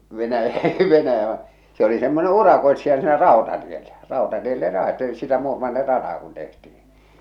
- Venäjä vaan se oli semmoinen urakoitsija siinä rautatiellä rautatielle - sitä Muurmannin rataa kun tehtiin